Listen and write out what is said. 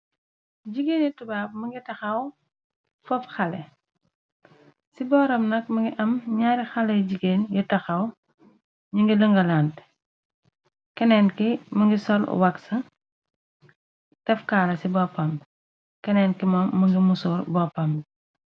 Jigéen i tubaab ma ngi taxaw fob xale, ci booram nak mungi am ñaari xale jigéen yu taxaw ñu ngi lëngalante, keneen ki mu ngi sol wàks tek kaala ci boppam bi, keneen ki ma mu ngi musoor boppam bi.